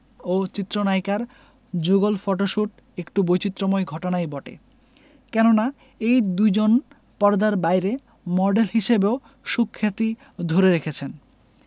ও চিত্রনায়িকার যুগল ফটোশুট একটু বৈচিত্রময় ঘটনাই বটে কেননা এই দুইজন পর্দার বাইরে মডেল হিসেবেও সুখ্যাতি ধরে রেখেছেন